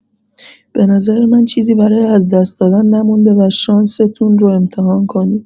به نظر من چیزی برای از دست دادن نمونده و شانستون رو امتحان کنید.